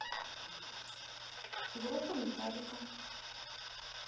группа metallica